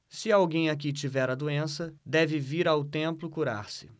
se alguém aqui tiver a doença deve vir ao templo curar-se